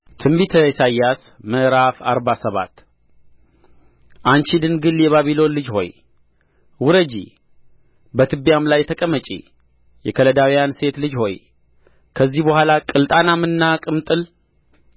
ትንቢተ ኢሳይያስ ምዕራፍ አርባ ሰባት አንቺ ድንግል የባቢሎን ልጅ ሆይ ውረጂ በትቢያም ላይ ተቀመጪ የከለዳውያን ሴት ልጅ ሆይ ከዚህ በኋላ ቅልጣናምና ቅምጥል